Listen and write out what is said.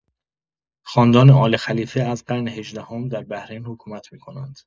خاندان آل‌خلیفه از قرن هجدهم در بحرین حکومت می‌کنند.